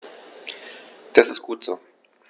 Das ist gut so.